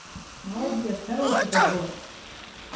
молодец хороший подбор